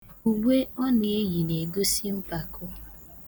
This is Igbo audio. Uwe ọ na-eyi na-egosi mpako.